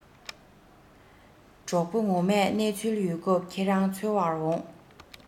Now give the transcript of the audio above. གྲོགས པོ ངོ མས གནས ཚུལ ཡོད སྐབས ཁྱེད རང འཚོལ བར འོང